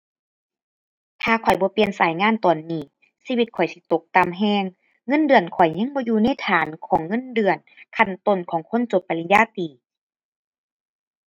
ถ้าข้อยบ่เปลี่ยนสายงานตอนนี้ชีวิตข้อยสิตกต่ำแรง เงินเดือนข้อยยังบ่อยู่ในฐานของเงินเดือนขั้นต้นของคนจบปริญญาตรี